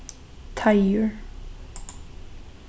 teigur